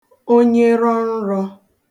onye rọnrọ̄